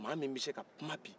maa min bɛ se ka kuma bi